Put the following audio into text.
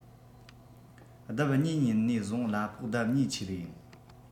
ལྡབ གཉིས ཉིན ནས བཟུང གླ ཕོགས ལྡབ གཉིས ཆེད ཡིན